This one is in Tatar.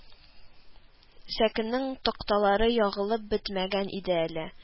Сәкенең такталары ягылып бетмәгән иде әле